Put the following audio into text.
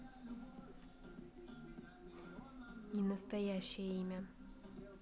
ненастоящее имя